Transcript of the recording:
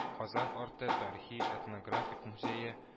“казан арты” тарихи-этнографик музее